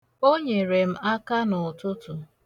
O nyere m aka n'ụtụtụ.